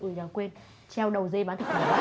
ừ nhở quên treo đầu dê bán thịt chó